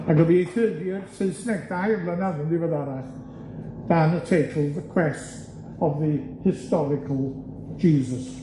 a gyfieithwyd i'r Saesneg dau flynedd yn ddiweddarach dan y teitl The Quest of the Historical Jesus.